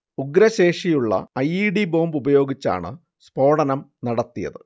ഉഗ്രശേഷിയുള്ള I. E. D. ബോംബുപയോഗിച്ചാണ് സ്ഫോടനം നടത്തിയത്